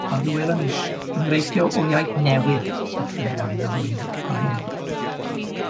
On' mi welwn ni enghreifftie o iaith newydd wrth fynd ymlaen mewn mun .